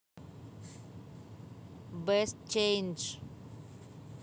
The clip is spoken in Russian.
бест чейндж